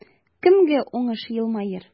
Кемгә уңыш елмаер?